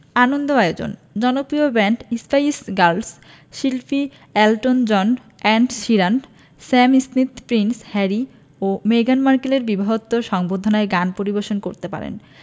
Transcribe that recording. আনন্দ আয়োজন জনপ্রিয় band Spice Girls শিল্পী Elton John Ed Sheeran Sam Smith Prince Harry ও মেগান মার্কেলের বিবাহোত্তর সংবর্ধনায় গান পরিবেশন করতে পারেন